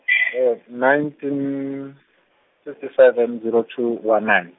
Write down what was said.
nineteen sixty seven zero two one nine.